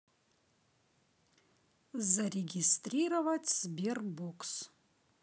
зарегистрировать sberbox